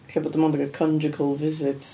Ella bod o ddim ond yn cal conjugal visits...